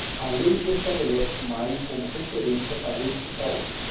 a lei estabelece maio como referência para este cálculo